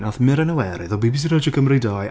Wnaeth Mirain Iwerydd o BBC Radio Cymru dau...